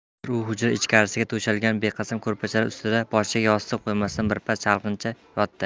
hozir u hujra ichkarisiga to'shalgan beqasam ko'rpachalar ustida boshiga yostiq qo'ymasdan birpas chalqancha yotdi